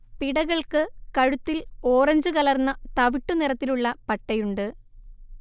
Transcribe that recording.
പിടകൾക്ക് കഴുത്തിൽ ഓറഞ്ചു കലർന്ന തവിട്ടുനിറത്തിലുള്ള പട്ടയുണ്ട്